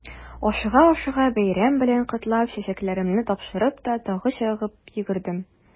Ашыга-ашыга бәйрәм белән котлап, чәчәкләремне тапшырдым да тагы чыгып йөгердем.